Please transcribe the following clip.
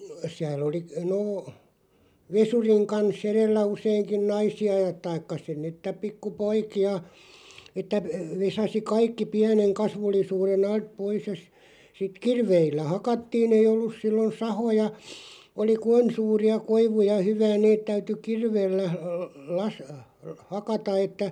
siellä oli no vesurin kanssa edellä useinkin naisia ja tai siinä niin että pikkupoikia että - vesasi kaikki pienen kasvullisuuden alta pois ja - sitten kirveillä hakattiin ei ollut silloin sahoja oli - noin suuria koivuja ja hyvää ne täytyi kirveellä -- hakata että